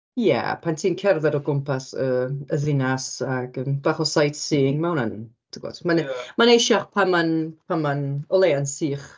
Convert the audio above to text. Ie, pan ti'n cerdded o gwmpas y y ddinas ac yn bach o sightseeing ma' hwnna'n, ti'n gwybod.. ie... ma'n nei- ma'n neisiach pam ma'n... pan ma'n o leia'n sych.